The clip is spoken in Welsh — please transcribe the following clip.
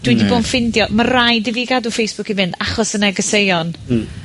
dwi'n 'di bo' yn ffindio ma' raid i fi gadw Facebook i fynd, achos y negeseuon. Hmm.